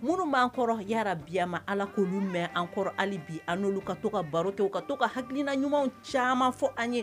Minnu b'an kɔrɔ yaa rabbi yaa ma, allah k'olu mɛn an kɔrɔ hali bi an n'olu ka to ka baro kɛ, u ka to ka hakilina ɲuman caaman fɔ an ye.